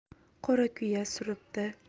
qorakuya suribdi